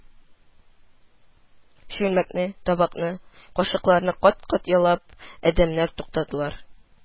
Чүлмәкне, табакны, кашыкларны кат-кат ялап, адәмнәр тукталдылар